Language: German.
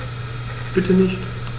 Bitte nicht.